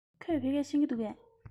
ཁོས བོད སྐད ཤེས ཀྱི འདུག གས